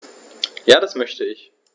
Ja, das möchte ich.